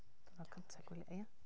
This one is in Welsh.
Diwrnod cynta'r gwylie ia?